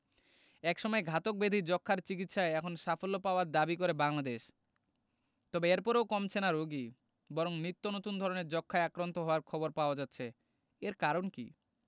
একসময়ে ঘাতক ব্যাধি যক্ষ্মার চিকিৎসায় এখন সাফল্য পাওয়া দাবি করে বাংলাদেশ তবে এরপরও কমছে না রোগী বরং নিত্যনতুন ধরনের যক্ষ্মায় আক্রান্ত হওয়ার খবর পাওয়া যাচ্ছে এর কারণ কী